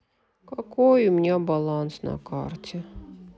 какой у меня баланс на карте